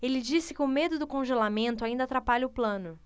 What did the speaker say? ele disse que o medo do congelamento ainda atrapalha o plano